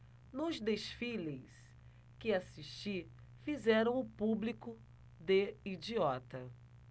nos desfiles que assisti fizeram o público de idiota